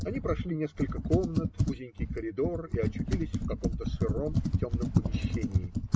Они прошли несколько комнат, узенький коридор и очутились в каком-то сыром и темном помещении.